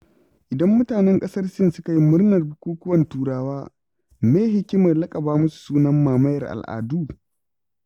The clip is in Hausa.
Idan mutanen ƙasar Sin suka yi murnar bukukuwan Turawa, me ye hikimar laƙaba musu sunan mamayar al'adu?